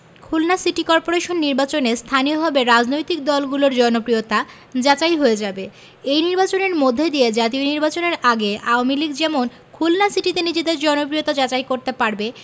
Khulna city corporation নির্বাচনে স্থানীয়ভাবে রাজনৈতিক দলগুলোর জনপ্রিয়তা যাচাই হয়ে যাবে এই নির্বাচনের মধ্য দিয়ে জাতীয় নির্বাচনের আগে আওয়ামী লীগ যেমন খুলনা সিটিতে নিজেদের জনপ্রিয়তা যাচাই করতে পারবে